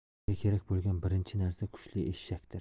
tarixchiga kerak bo'lgan birinchi narsa kuchli eshakdir